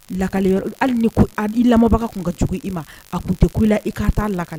Lakale hali ko ali lamɔbaga tun ka cogo i ma a tun tɛ la i ka taa lakale